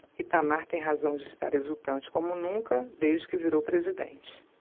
itamar tem razão de estar exultante como nunca desde que virou presidente